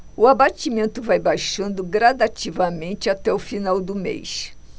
o abatimento vai baixando gradativamente até o final do mês